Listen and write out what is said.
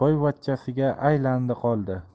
boyvachchasiga aylandi qoldi